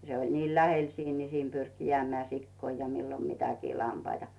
se oli niin lähellä siinä niin siinä pyrki jäämään sikoja ja milloin mitäkin lampaita